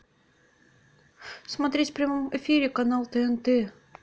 смотреть в прямом эфире канал тнт